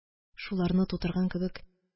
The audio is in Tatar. Шуларны тутырган кебек